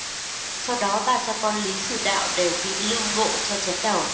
sau đó ba cha con lý sư đạo đều bị lưu ngộ cho chém đầu